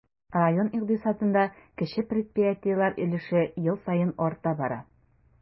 Район икътисадында кече предприятиеләр өлеше ел саен арта бара.